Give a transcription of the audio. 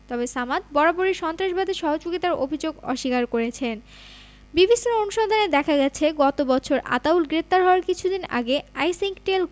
তবে সামাদ বারবারই সন্ত্রাসবাদে সহযোগিতার অভিযোগ অস্বীকার করছেন বিবিসির অনুসন্ধানে দেখা গেছে গত বছর আতাউল গ্রেপ্তার হওয়ার কিছুদিন আগে আইসিংকটেল